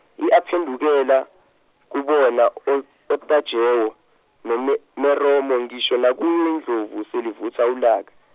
i aphendukela, kubona o- oTajewo noMe- Meromo ngisho nakuyo indlovu selivutha ulaka.